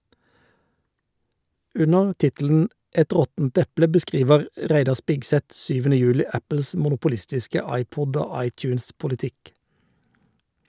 Under tittelen "Et råttent eple" beskriver Reidar Spigseth 7. juli Apples monopolistiske iPod- og iTunes-politikk.